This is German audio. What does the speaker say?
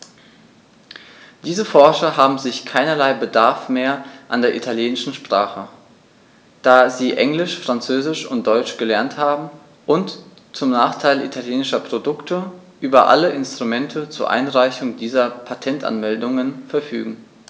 Diese Forscher haben sicher keinerlei Bedarf mehr an der italienischen Sprache, da sie Englisch, Französisch und Deutsch gelernt haben und, zum Nachteil italienischer Produkte, über alle Instrumente zur Einreichung dieser Patentanmeldungen verfügen.